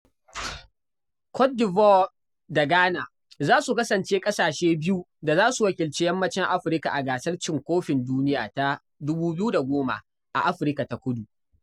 Côte d'Ivoire da Ghana za su kasance ƙasashe biyu da za su wakilci Yammacin Afirka a Gasar Cin Kofin Duniya ta 2010 a Afirka ta Kudu.